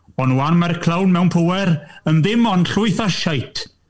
Ond 'wan mae'r clown mewn pŵer, yn ddim ond llwyth o sheit.